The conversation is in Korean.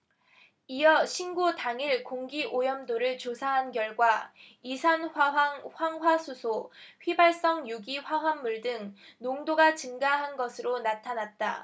이어 신고 당일 공기오염도를 조사한 결과 이산화황 황화수소 휘발성유기화합물 등 농도가 증가한 것으로 나타났다